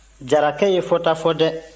jarakɛ ye fɔta fɔ de